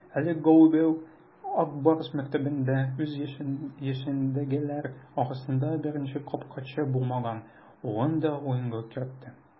Әле Голубев "Ак Барс" мәктәбендә үз яшендәгеләр арасында беренче капкачы булмаган улын да уенга кертте.